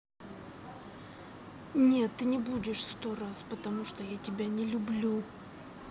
нет ты не будешь сто раз потому что я тебя не люблю